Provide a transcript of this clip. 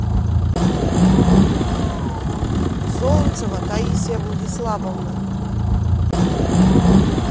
солнцева таисия владиславовна